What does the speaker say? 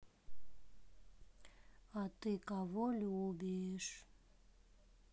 а ты кого любишь